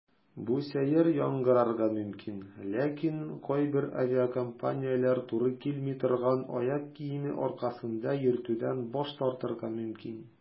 Бу сәер яңгырарга мөмкин, ләкин кайбер авиакомпанияләр туры килми торган аяк киеме аркасында йөртүдән баш тартырга мөмкин.